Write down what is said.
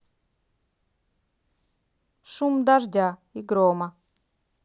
шум дождя и грома